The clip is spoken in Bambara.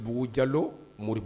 Dugu Malo Mori